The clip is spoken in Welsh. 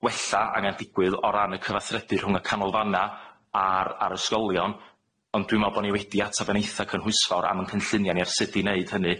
wella angan digwydd o ran y cyfathrebu rhwng y canolfanna a'r a'r ysgolion ond dwi'n me'wl bo' ni wedi atab yn eitha cynhwysfawr am y cynllunia ni ar sut i neud hynny.